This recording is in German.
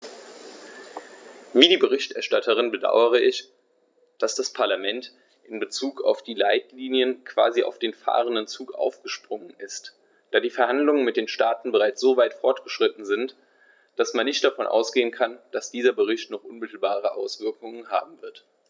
Wie die Berichterstatterin bedaure ich, dass das Parlament in bezug auf die Leitlinien quasi auf den fahrenden Zug aufgesprungen ist, da die Verhandlungen mit den Staaten bereits so weit fortgeschritten sind, dass man nicht davon ausgehen kann, dass dieser Bericht noch unmittelbare Auswirkungen haben wird.